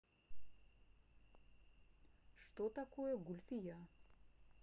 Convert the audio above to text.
что такое гульфия